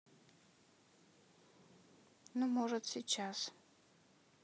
ну может сейчас